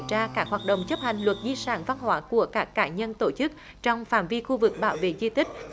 tra các hoạt động chấp hành luật di sản văn hóa của các cá nhân tổ chức trong phạm vi khu vực bảo vệ di tích